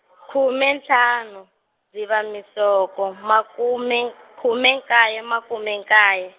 khume ntlhanu, Dzivamusoko, makume, khume kaye makume kaye.